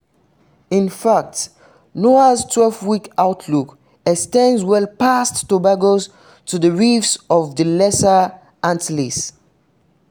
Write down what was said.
In fact, NOAA's 12-week outlook extends well past Tobago to the reefs of the Lesser Antilles.